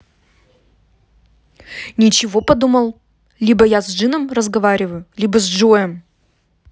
ничего подумал либо я с джином разговариваю либо с джоем